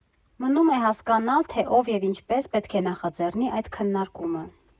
Մնում է հասկանալ, թե ով և ինչպես պետք է նախաձեռնի այդ քննարկումը։